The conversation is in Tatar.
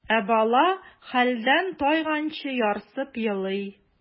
Ә бала хәлдән тайганчы ярсып елый.